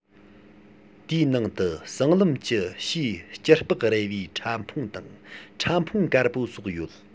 དེའི ནང དུ གསང ལམ གྱི ཕྱིའི སྐྱི ལྤགས རལ བའི ཕྲ ཕུང དང ཕྲ ཕུང དཀར བོ སོགས ཡོད